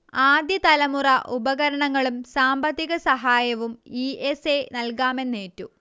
ആദ്യതലമുറ ഉപകരണങ്ങളും സാമ്പത്തികസഹായവും E S A നൽകാമെന്നേറ്റു